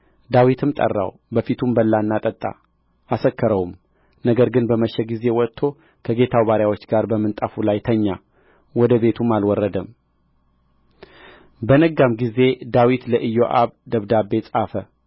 ዳዊትም ጠራው በፊቱም በላና ጠጣ አሰከረውም ነገር ግን በመሸ ጊዜ ወጥቶ ከጌታው ባሪያዎች ጋር በምንጣፉ ላይ ተኛ ወደ ቤቱም አልወረደም በነጋም ጊዜ ዳዊት ለኢዮአብ ደብዳቤ ጻፈ